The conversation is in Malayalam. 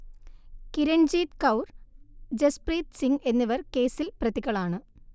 കിരൺജീത് കൗർ, ജസ്പ്രീത് സിങ് എന്നിവർ കേസിൽ പ്രതികളാണ്